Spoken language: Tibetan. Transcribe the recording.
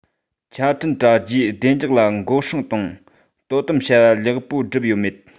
ཆ འཕྲིན དྲ རྒྱའི བདེ འཇགས ལ འགན སྲུང དང དོ དམ བྱ བ ལེགས པོ བསྒྲུབས ཡོད མེད